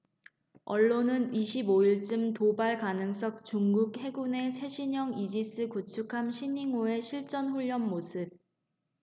언론은 이십 오 일쯤 도발 가능성중국 해군의 최신형 이지스 구축함 시닝호의 실전훈련 모습